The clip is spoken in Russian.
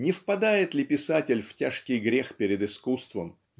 не впадает ли писатель в тяжкий грех перед искусством